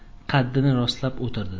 qaddini rostlab utirdi